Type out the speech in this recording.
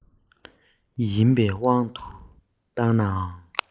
ཡིན བའི དབང དུ བཏང ནའང